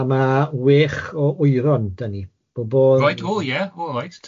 ...a ma' wech o wyron da ni bobl... Reit o ie o reit.